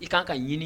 I ka kan ka ɲini